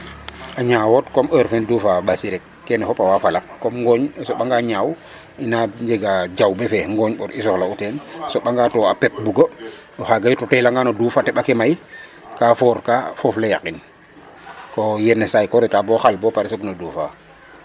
A ñaaw wo comme heure feem duefaa ɓasi rek kene fop a waa falak comme gooñ a soɓangaa ñaaw ina njega jawbe fe gooñ ɓor i soxla'u teen a soɓanga to a pep bugo o xaaga yit o teelangaan o duuf a teƥ ake mayka fort ka foof le yaqin ko yenisay ko retaa bo xal bo pare soog no duufaa